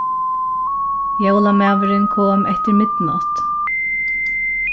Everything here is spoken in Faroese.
jólamaðurin kom eftir midnátt